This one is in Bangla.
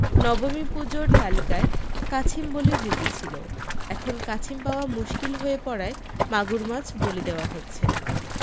নবমী পূজোর তালিকায় কাছিম বলির রীতি ছিল এখন কাছিম পাওয়া মুশকিল হয়ে পড়ায় মাগুর মাছ বলি দেওয়া হচ্ছে